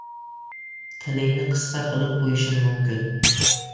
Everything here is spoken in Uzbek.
tilingni qisqa qilib qo'yishim mumkin